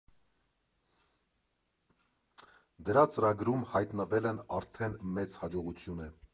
Դրա ծրագրում հայտնվելն արդեն մեծ հաջողություն է։